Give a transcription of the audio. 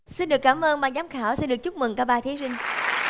xin được cám ơn ban giám khảo xin được chúc mừng cả ba thí sinh